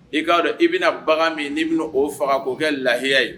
I k'a dɔn i bɛna bagan min n'i bɛna oo faga k'o kɛ lahiya ye